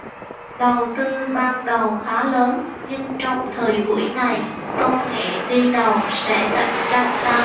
đầu tư ban đầu khá lớn nhưng trong thời buổi này công nghệ đi đầu sẽ cạnh tranh cao